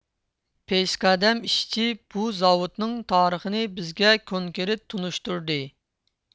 پېشقەدەم ئىشچى بۇ زاۋۇتنىڭ تارىخىنى بىزگە كونكرېت تونۇشتۇردى